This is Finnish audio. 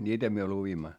niitä me luimme